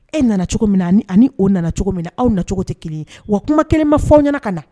E nana cogo min na o nana cogo min na aw na cogo tɛ kelen wa kuma kelen ma fɔ aw ɲɛna ka na